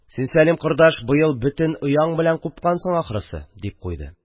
– син, сәлим кордаш, быел бөтен ояң белән купкансың, ахырсы, – дип куйды.